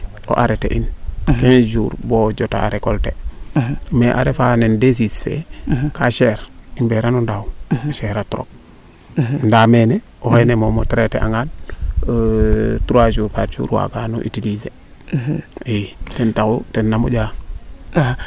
o arreter :far in quinze jours bo jotaa recolte mais a refa nen desice fee kaa chere i mbeera no ndaaw a chere a trop ndaa meene o xeene moom o traiter a ngaan trois jour quatre jour waaga no utiliser i ten taxu tena moƴaa